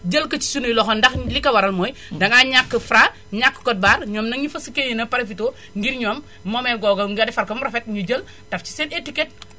jël ko si sunuy loxo ndax li ko waral mooy dangaa ñàkk Fra ñàkk code barre ñoom nag ñu fas yéene profité ngir ñoom moomeel googa nga defar ko ba mu rafet ñu jël taf si seen étiquette